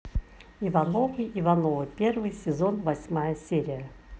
ивановы ивановы первый сезон восьмая серия